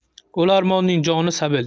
o'larmonning joni sabil